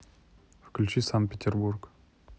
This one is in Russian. включи санкт петербург